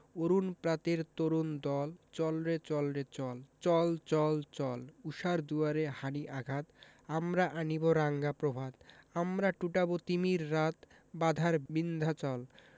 অরুণ প্রাতের তরুণ দল চল রে চল রে চল চল চল চল ঊষার দুয়ারে হানি' আঘাত আমরা আনিব রাঙা প্রভাত আমরা টুটাব তিমির রাত বাধার বিন্ধ্যাচল